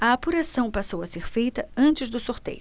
a apuração passou a ser feita antes do sorteio